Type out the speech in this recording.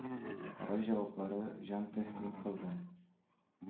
Король җәнаплары җан тәслим кылды